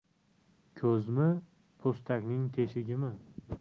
ko'zmi po'stakning teshigimi